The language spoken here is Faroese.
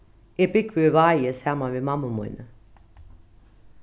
eg búgvi í vági saman við mammu míni